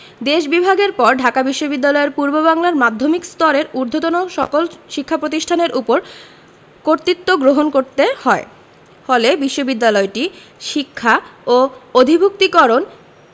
দেশ বিভাগের পর ঢাকা বিশ্ববিদ্যালয়কে পূর্ববাংলার মাধ্যমিক স্তরের ঊধ্বর্তন সকল শিক্ষা প্রতিষ্ঠানের ওপর কর্তৃত্ব গ্রহণ করতে হয় ফলে বিশ্ববিদ্যালয়টি শিক্ষা ও অধিভূক্তিকরণ